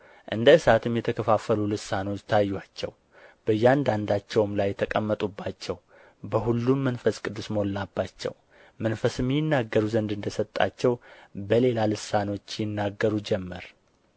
እንደ እሳትም የተከፋፈሉ ልሳኖች ታዩአቸው በያንዳንዳቸውም ላይ ተቀመጡባቸው በሁሉም መንፈስ ቅዱስ ሞላባቸው መንፈስም ይናገሩ ዘንድ እንደ ሰጣቸው በሌላ ልሳኖች ይናገሩ ጀመር